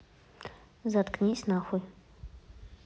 заткнись на хуй